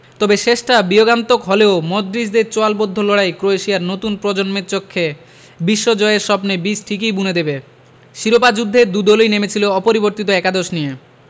তবে শেষটা বিয়োগান্তক হলেও মডরিচদের চোয়ালবদ্ধ লড়াই ক্রোয়েশিয়ার নতুন প্রজন্মের চোখে বিশ্বজয়ের স্বপ্নে বীজ ঠিকই বুনে দেবে শিরোপা যুদ্ধে দু দলই নেমেছিল অপরিবর্তিত একাদশ নিয়ে